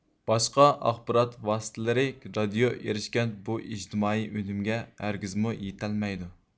باشقا ئاخبارات ۋاسىتىلىرى رادىئو ئېرىشكەن بۇ ئىجتىمائىي ئۈنۈمگە ھەرگىزمۇ يېتەلمەيدۇ